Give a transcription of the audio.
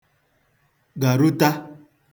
gàruta